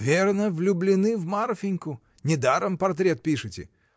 — Верно, влюблены в Марфиньку: недаром портрет пишете!